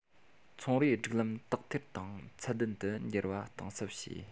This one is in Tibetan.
ཚོང རའི སྒྲིག ལམ དག ཐེར དང ཚད ལྡན དུ འགྱུར བ གཏིང ཟབ བྱས